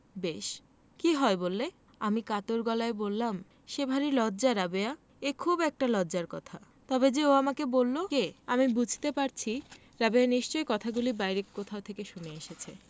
বেশ কি হয় বললে আমি কাতর গলায় বললাম সে ভারী লজ্জা রাবেয়া এটা খুব একটা লজ্জার কথা তবে যে ও আমাকে বললো কে আমি বুঝতে পারছি রাবেয়া নিশ্চয়ই কথাগুলি বাইরে কোথাও শুনে এসেছে